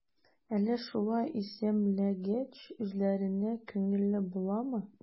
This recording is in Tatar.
Әллә шулай исемләгәч, үзләренә күңелле буламы?